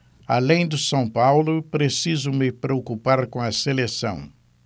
além do são paulo preciso me preocupar com a seleção